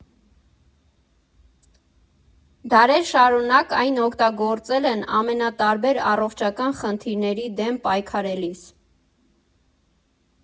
Դարեր շարունակ այն օգտագործել են ամենատարբեր առողջական խնդիրների դեմ պայքարելիս։